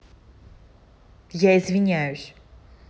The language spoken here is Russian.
я извиняюсь